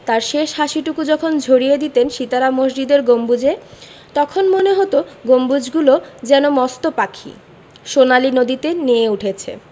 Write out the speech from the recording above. তাঁর শেষ হাসিটুকু যখন ঝরিয়ে দিতেন সিতারা মসজিদের গম্বুজে তখন মনে হতো গম্বুজগুলো যেন মস্ত পাখি সোনালি নদীতে নেয়ে উঠেছে